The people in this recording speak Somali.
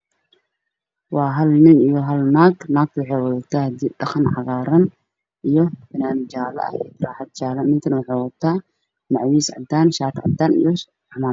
Waa hal nin iyo hal naag naagta waxay wadataa hiddiyo dhaqan cagaar ah fanaanad jaalle ah tarxad jaal ninkan wuxuu wataa shaati cadaan macawis caddaan iyo cimaamad